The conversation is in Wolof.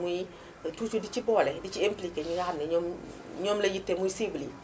muy toujours di ci boole di ci impliqué ñi nga xam ne ñoom ñoom la yitte muy cibles yi